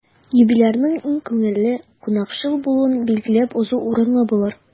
Юбилярның киң күңелле, кунакчыл булуын билгеләп узу урынлы булыр.